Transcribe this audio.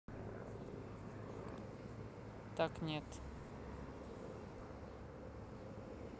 так нет